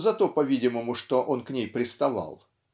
за то, по-видимому, что он к ней приставал